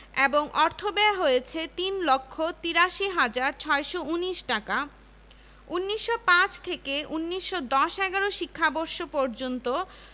এবং অর্থব্যয় হয়েছে ৩ লক্ষ ৮৩ হাজার ৬১৯ টাকা ১৯০৫ থেকে ১৯১০ ১১ শিক্ষাবর্ষ পর্যন্ত